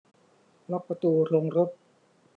ล็อคประตูโรงรถ